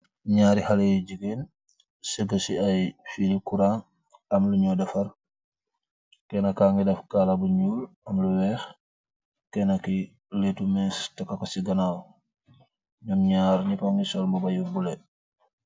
Njaari haleh yu gigain sehgah ci aiiy fili kurang am lu njur deffar, kenah kaangui def kaalah bu njull am lu wekh, kenah kii lehtu meeche tahkah kor cii ganawam, njom njarr njepah ngi sol mbuba yu bleu.